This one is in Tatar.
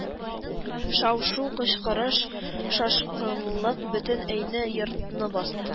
Шау-шу, кычкырыш, шашкынлык бөтен өйне, йортны басты